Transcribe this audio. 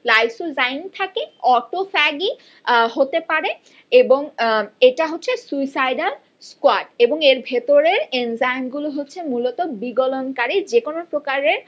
lysozyme থাকে autophagy হতে পারে এবং এটা হচ্ছে সুইসাইডাল স্কোয়াড এবং এর ভেতরে এনজাইমগুলো হচ্ছে মূলত বিগলন কারী যে কোন প্রকারের